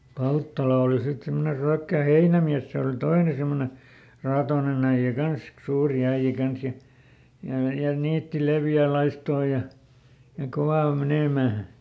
Palttala oli sitten semmoinen Ryökkä heinämies se oli toinen semmoinen raatoinen äijä - suuri äijä kanssa ja ja ja niitti leveää laistoa ja ja kova oli menemään